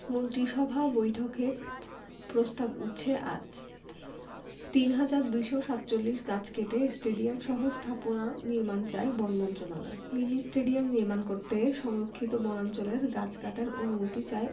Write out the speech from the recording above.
মন্ত্রিসভা বৈঠকে প্রস্তাব উঠছে আজ ৩২৪৭ গাছ কেটে স্টেডিয়ামসহ স্থাপনা নির্মাণ চায় বন মন্ত্রণালয় মিনি স্টেডিয়াম নির্মাণ করতে সংরক্ষিত বনাঞ্চলের গাছ কাটার অনুমতি চায়